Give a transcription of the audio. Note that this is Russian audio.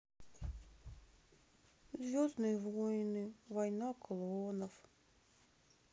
звездные воины война клонов